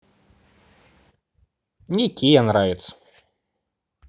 мне киа нравится